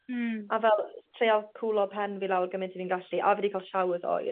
Hmm. A fel jys treial cwlo pen fi lawr gymint â fi'n gallu a fi 'di ca'l showers oer.